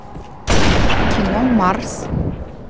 кино марс